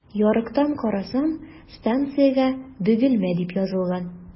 Ярыктан карасам, станциягә “Бөгелмә” дип язылган.